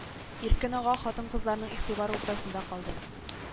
Иркен ага хатын-кызларның игътибары уртасында калды